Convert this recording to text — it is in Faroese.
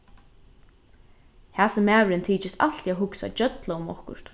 hasin maðurin tykist altíð at hugsa gjølla um okkurt